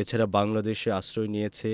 এ ছাড়া বাংলাদেশে আশ্রয় নিয়েছে